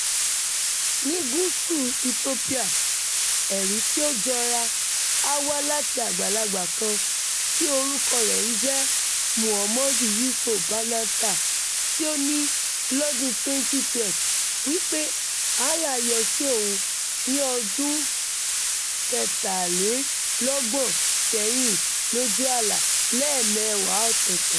Ní gúúsù Ethiopia, ẹ̀rí tí ó jọra á wá láti àgbàlagbà kan tí orúkọ rẹ̀ ń jẹ́ Mohammed Yiso Banatah, tí ó ní lọ́dún-un 2012 wípé Allah yọ sí òun ní ọdún 33 sẹ́yìn lójú àlá lẹ́ẹ̀mẹwàá ọ̀tọ̀ọ̀tọ̀.